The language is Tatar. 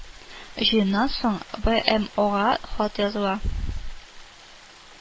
Җыеннан соң БээМОга хат языла